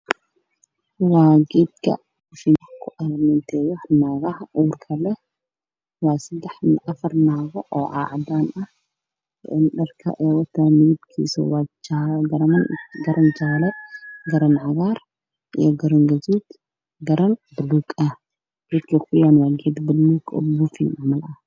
Waa geedka ay ku almiiteeyaan naagaha uurka leh